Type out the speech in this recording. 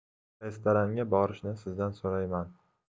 restaranga borishni sizdan so'rayman